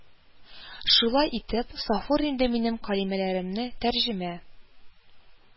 Шулай итеп, Сафур инде минем кәлимәләремне тәрҗемә